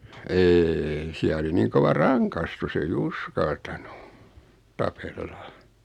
ei siellä oli niin kova rangaistus ei uskaltanut tapella